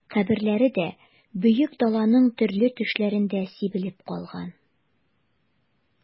Каберләре дә Бөек Даланың төрле төшләрендә сибелеп калган...